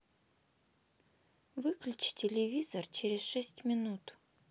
выключи телевизор через шесть минут